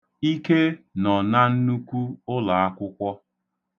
Ike nọ na nnukwu ụlaakwụkwọ.